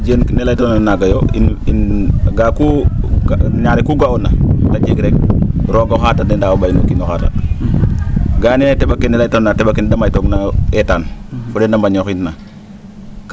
waa Diene nee laytanoona naaga yo in ga'aa kuu naare kuu ga'oona te jeg rek roog axa taaga de ndaa o ?ay o kiin oxaa taaga';a ne na te? ake laytanoona a te? ake nede maytooginaayo eetaan fo ne da mbañooxit na